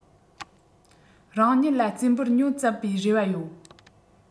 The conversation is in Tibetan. རང ཉིད ལ རྩིས འབུལ ཉུང ཙམ བའི རེ བ ཡོད